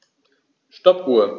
Stoppuhr.